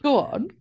Go on.